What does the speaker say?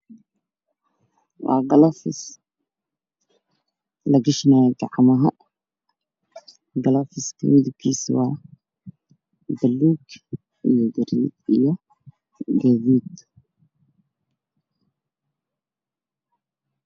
Waa kolofis lagashad gacanta midbkis waa balug io garey io gaduud